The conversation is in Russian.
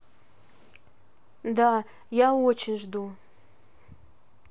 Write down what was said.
да очень жду